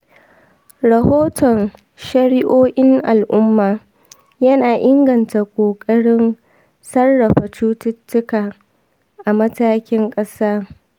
rahoton shari’o’in al’umma yana inganta ƙoƙarin sarrafa cututtuka a matakin ƙasa.